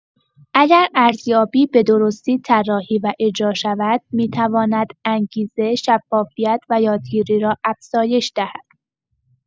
اگر ارزیابی به‌درستی طراحی و اجرا شود، می‌تواند انگیزه، شفافیت و یادگیری را افزایش دهد؛